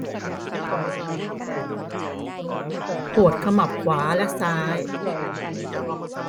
ปวดขมับขวาและซ้าย